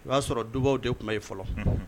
O y'a sɔrɔ dubaw de tun be ye fɔlɔ unhun